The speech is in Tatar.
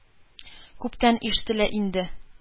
Күптән ишетелә инде.